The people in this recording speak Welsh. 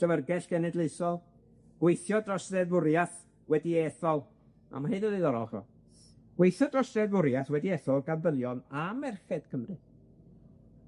Llyfyrgell Genedlaethol, gweithio dros ddeddfwriath wedi 'i ethol, a ma' hyn yn ddiddorol chimo, gweithio dros ddeddfwriath wedi ethol gan ddynion a merched Cymru